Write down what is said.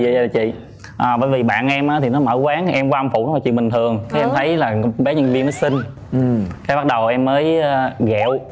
vậy à chị bởi vì bạn em á thì nó mở quán em qua em phụ là chuyện bình thường em thấy con bé nhân viên nó xinh thế bất đầu em mới ghẹo